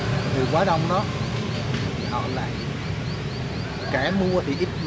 vì quá đông đó họ lại kẻ mua thì ít